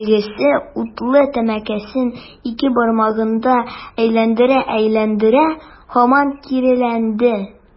Тегесе, утлы тәмәкесен ике бармагында әйләндерә-әйләндерә, һаман киреләнде.